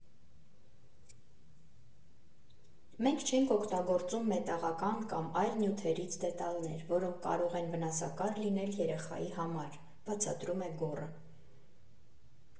Մենք չենք օգտագործում մետաղական կամ այլ նյութերից դետալներ, որոնք կարող են վնասակար լինել երեխայի համար», ֊ բացատրում է Գոռը։